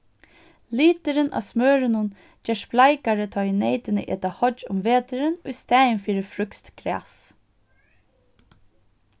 liturin á smørinum gerst bleikari tá ið neytini eta hoyggj um veturin í staðin fyri frískt gras